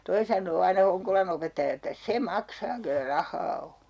toi sanoo aina Honkolan opettaja että se maksaa kenellä rahaa on